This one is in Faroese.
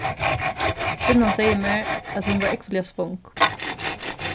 kvinnan segði mær at hon var ógvuliga svong